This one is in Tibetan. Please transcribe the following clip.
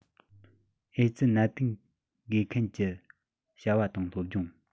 ཨེ ཙི ནད དུག འགོས མཁན གྱི བྱ བ དང སློབ སྦྱོང